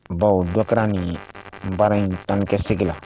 Bawo dɔra nin ye baara in tannikɛ seg la